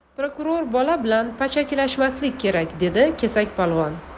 prokuror bola bilan pachakilashmaslik kerak dedi kesakpolvon